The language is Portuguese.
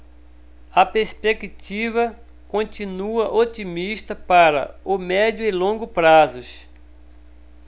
a perspectiva continua otimista para o médio e longo prazos